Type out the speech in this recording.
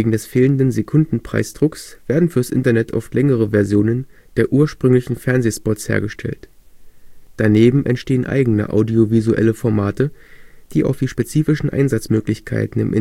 des fehlenden Sekundenpreisdrucks werden fürs Internet oft längere Versionen der ursprünglichen Fernsehspots hergestellt. Daneben entstehen eigene audiovisuelle Formate, die auf die spezifischen Einsatzmöglichkeiten